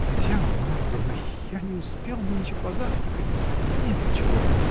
— Татьяна Марковна, я не успел нынче позавтракать: нет ли чего?